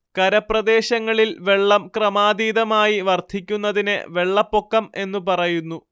കരപ്രദേശങ്ങളിൽ വെള്ളം ക്രമാതീതമായി വർദ്ധിക്കുന്നതിനെ വെള്ളപ്പൊക്കം എന്നു പറയുന്നു